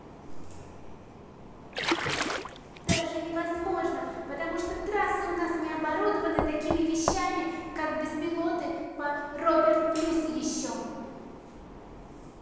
даже невозможно потому что трассы у нас не оборудованы такими вещами как без пилоты по robert плюс еще